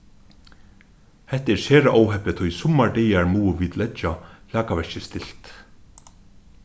hetta er sera óheppið tí summar dagar mugu vit leggja flakavirkið stilt